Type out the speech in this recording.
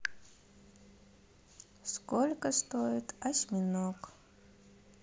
сколько стоит осьминог